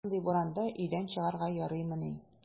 Мондый буранда өйдән чыгарга ярыймыни!